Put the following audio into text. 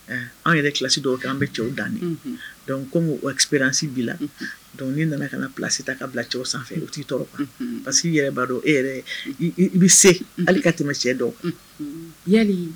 Anw yɛrɛ kilasi dɔw kɛ an bɛ cɛw dan dɔnku kopransi b'i la dɔnku n'i nana ka na plasi ta ka bila cɛw sanfɛ o t'i tɔɔrɔ kan pa que i yɛrɛ b'a dɔn e yɛrɛ ye i bɛ se hali ka tɛmɛ cɛ dɔn yali